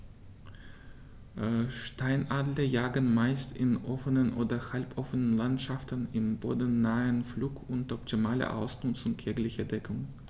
Steinadler jagen meist in offenen oder halboffenen Landschaften im bodennahen Flug unter optimaler Ausnutzung jeglicher Deckung.